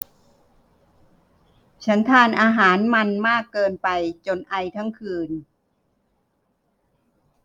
ฉันทานอาหารมันมากเกินไปจนไอทั้งคืน